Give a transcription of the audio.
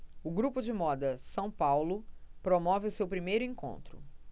o grupo de moda são paulo promove o seu primeiro encontro